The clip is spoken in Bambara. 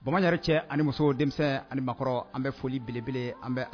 Bamananre cɛ ani muso denmisɛnnin ani makɔrɔ an bɛ foli belebele an bɛ